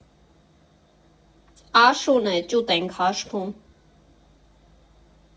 Աշուն է, ճուտ ենք հաշվում։